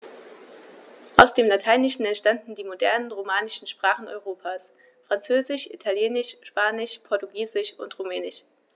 Aus dem Lateinischen entstanden die modernen „romanischen“ Sprachen Europas: Französisch, Italienisch, Spanisch, Portugiesisch und Rumänisch.